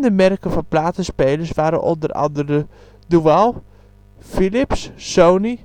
merken van platenspelers waren onder andere Dual, Philips, Sony